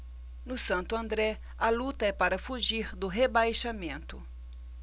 no santo andré a luta é para fugir do rebaixamento